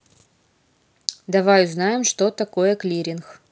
давай узнаем что такое клиринг